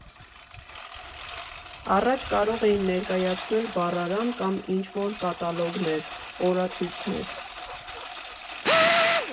Առաջ կարող էին ներկայացնել բառարան կամ ինչ֊որ կատալոգներ, օրացույցներ։